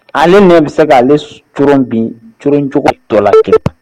Ale ɲɛ bɛ se ka bi cogo dɔ la kelen